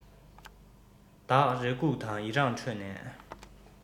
བདག རེ སྒུག དང ཡི རངས ཁྲོད ནས